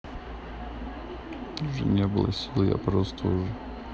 уже не было сил я просто уже